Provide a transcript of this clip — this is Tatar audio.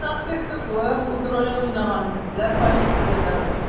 Дин аспекты шулай ук үз ролен уйнаган, диделәр полициядә.